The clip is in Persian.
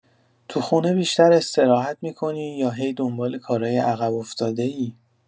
تو خونه بیشتر استراحت می‌کنی یا هی دنبال کارای عقب‌افتاده‌ای؟